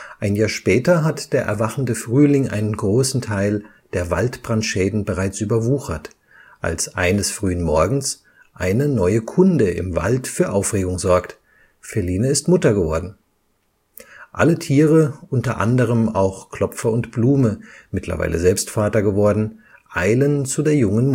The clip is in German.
Ein Jahr später hat der erwachende Frühling einen großen Teil der Waldbrandschäden bereits überwuchert, als eines frühen Morgens eine neue Kunde im Wald für Aufregung sorgt: Feline ist Mutter geworden. Alle Tiere, unter anderem auch Klopfer und Blume, mittlerweile selbst Väter geworden, eilen zu der jungen